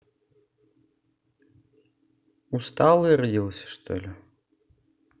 усталый родился что ли